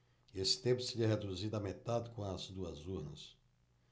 esse tempo seria reduzido à metade com as duas urnas